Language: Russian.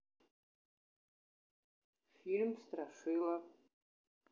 фильм страшила